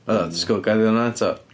O, disgwyl gad i fi ddeud hwnna eto.